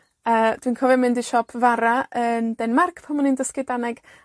A, dwi'n cofio mynd i siop fara yn Denmarc pan o'n i'n dysgu Daneg,